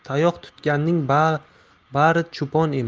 tayoq tutganning bail cho'pon emas